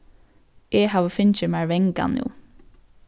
eg havi fingið mær vangan nú